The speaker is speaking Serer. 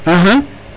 axa